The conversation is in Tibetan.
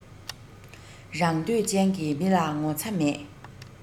རང འདོད ཅན གྱི མི ལ ངོ ཚ མེད